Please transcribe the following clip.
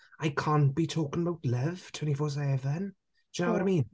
I can't be be talking about love twenty four seven do you know... ie ...what I mean?